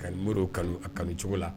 Kamo kanu kanu cogo la